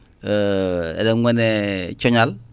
eɗen goone cooñal